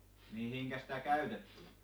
mihinkä sitä käytettiin?